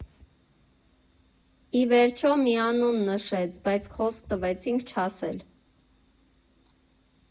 Ի վերջո, մի անուն նշեց, բայց խոսք տվեցինք չասել։